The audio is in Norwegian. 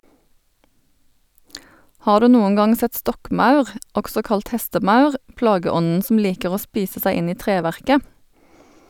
Har du noen gang sett stokkmaur, også kalt hestemaur, plageånden som liker å spise seg inn i treverket?